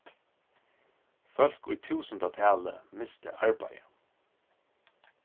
fólk í túsundatali mistu arbeiðið